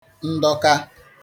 ndọka